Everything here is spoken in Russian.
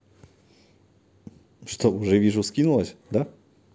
что уже вижу вскинулась да